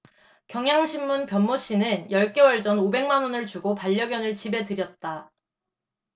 경향신문 변모씨는 열 개월 전 오백 만원을 주고 반려견을 집에 들였다